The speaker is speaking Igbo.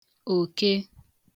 òke